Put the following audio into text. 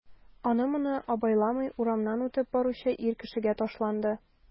Аны-моны абайламый урамнан үтеп баручы ир кешегә ташланды...